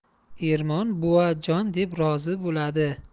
ermon buva jon deb rozi bo'ladi